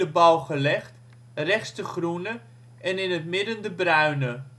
bal gelegd, rechts de groene, en in het midden de bruine